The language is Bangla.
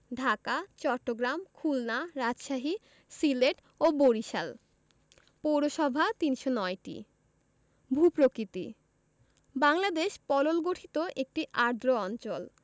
ঢাকা চট্টগ্রাম খুলনা রাজশাহী সিলেট ও বরিশাল পৌরসভা ৩০৯টি ভূ প্রকৃতিঃ বাংলদেশ পলল গঠিত একটি আর্দ্র অঞ্চল